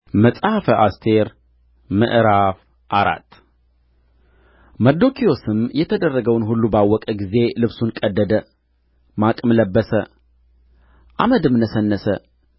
መጽሐፈ አስቴር ምዕራፍ አራት መርዶክዮስም የተደረገውን ሁሉ ባወቀ ጊዜ ልብሱን ቀደደ ማቅም ለበሰ አመድም ነሰነሰ